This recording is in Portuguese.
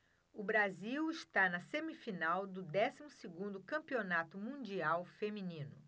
o brasil está na semifinal do décimo segundo campeonato mundial feminino